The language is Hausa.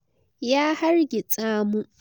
Ya hargitsa mu.